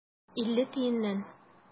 Илле тиеннән.